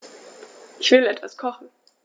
Ich will etwas kochen.